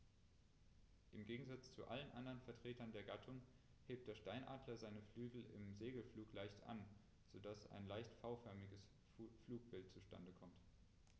Im Gegensatz zu allen anderen Vertretern der Gattung hebt der Steinadler seine Flügel im Segelflug leicht an, so dass ein leicht V-förmiges Flugbild zustande kommt.